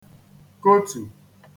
-kotù